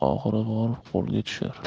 oxiri borib qo'lga tushar